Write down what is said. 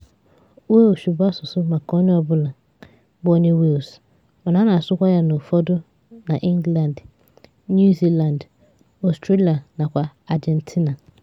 Welsh bụ asụsụ maka onye ọbụla bụ onye Wales, mana a na-asụkwa ya n'ụfodụ n'England, New Zealand, Australia makwa n'Argentina.